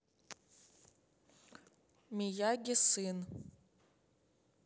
miyagi сын